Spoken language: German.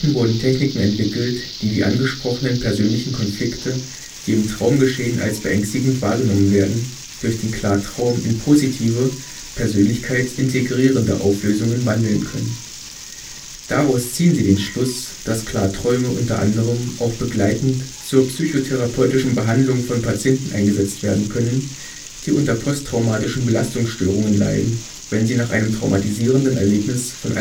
wurden Techniken entwickelt, die die angesprochenen persönlichen Konflikte, die im Traumgeschehen als beängstigend wahrgenommen werden, durch den Klartraum in positive, persönlichkeitsintegrierende Auflösungen wandeln können. Daraus ziehen sie den Schluss, dass Klarträume u.a. auch begleitend zur psychotherapeutischen Behandlung von Patienten eingesetzt werden können, die unter posttraumatischen Belastungsstörungen leiden, wenn sie nach einem traumatisierenden Erlebnis von